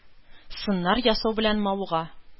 Сыннар ясау белән мавыга.